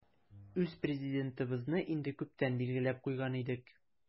Үз Президентыбызны инде күптән билгеләп куйган идек.